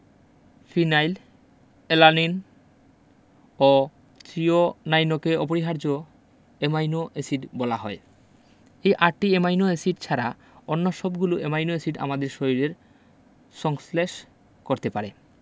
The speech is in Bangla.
ফিনাইল অ্যালানিন ও থ্রিওনাইনকে অপরিহার্য অ্যামাইনো এসিড বলা হয় এই আটটি অ্যামাইনো এসিড ছাড়া অন্য সবগুলো অ্যামাইনো এসিড আমাদের শরীরের সংশ্লেষ করতে পারে